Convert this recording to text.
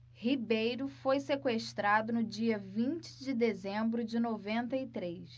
ribeiro foi sequestrado no dia vinte de dezembro de noventa e três